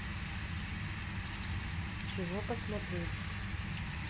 чего посмотреть